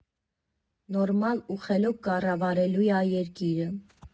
Նորմալ ու խելոք կառավարելույա երկիրը…